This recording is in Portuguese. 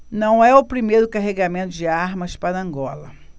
não é o primeiro carregamento de armas para angola